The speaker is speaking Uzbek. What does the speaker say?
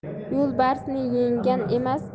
yo'lbarsni yenggan emas